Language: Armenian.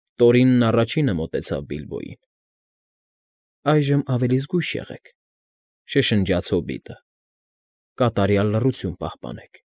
Տորինն առաջինը մոտեցավ Բիլբոյին։ ֊ Այժմ ավելի զգույշ եղեք,֊ շշնջաց հոբիտը,֊ կատարյալ լռություն պահպանեք։